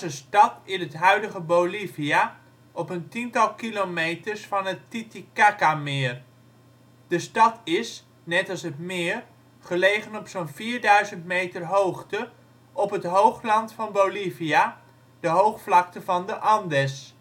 stad in het huidige Bolivia op een tiental kilometers van het Titicacameer. De stad is, net als het meer, gelegen op zo 'n 4000 m hoogte op het Hoogland van Bolivia, de hoogvlakte van de Andes